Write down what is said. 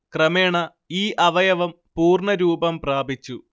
ക്രമേണ ഈ അവയവം പൂർണ്ണ രൂപം പ്രാപിച്ചു